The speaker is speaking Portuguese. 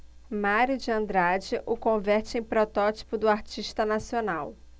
mário de andrade o converte em protótipo do artista nacional